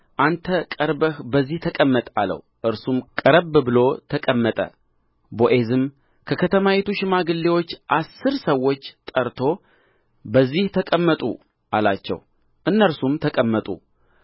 አንተ ቀርበህ በዚህ ተቀመጥ አለው እርሱም ቀረብ ብሎ ተቀመጠ አንተ ቀርበህ በዚህ ተቀመጥ አለው ቦዔዝም ከከተማይቱ ሽማግሌዎች አሥር ሰዎች ጠርቶ በዚህ ተቀመጡ አላቸው እነርሱም ተቀመጡ